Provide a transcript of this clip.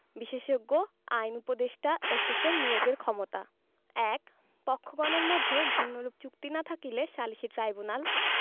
বিশেষজ্ঞ আইন উপদেষ্টা এসেসর নিয়োগের ক্ষমতা ১ পক্ষগণের মধ্যে ভিন্নরূপ চুক্তি না থাকিলে সালিসী ট্রাইব্যুনাল